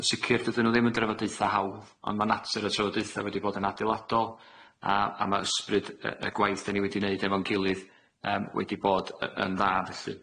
Yn sicir dydyn nw ddim yn drafodaetha hawdd, ond ma' natur y trafodaetha wedi bod yn adeiladol a a ma' ysbryd yy y gwaith 'dan ni wedi neud efo'n gilydd yym wedi bod y- yn dda felly.